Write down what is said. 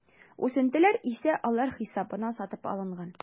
Үсентеләр исә алар хисабына сатып алынган.